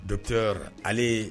Dɔki ale